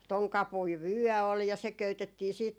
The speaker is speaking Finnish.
tuon kapuinen vyö oli ja se köytettiin sitten